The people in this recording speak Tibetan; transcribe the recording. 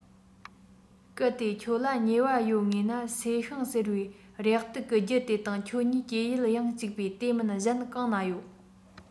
གལ ཏེ ཁྱོད ལ ཉེ བ ཡོད ངེས ན བསེ ཤིང ཟེར བའི རེག དུག གི རྒྱུ དེ དང ཁྱོད གཉིས སྐྱེ ཡུལ ཡང གཅིག པས དེ མིན གཞན གང ན ཡོད